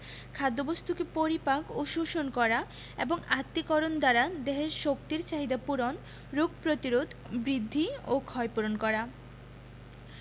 খাদ্যবস্তুকে পরিপাক ও শোষণ করা এবং আত্তীকরণ দ্বারা দেহের শক্তির চাহিদা পূরণ রোগ প্রতিরোধ বৃদ্ধি ও ক্ষয়পূরণ করা